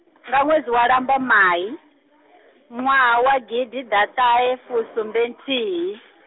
nga ṅwedzi wa Lambamai, ṅwaha wa gidiḓaṱahefusumbenthihi.